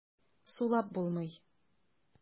Сулап булмый.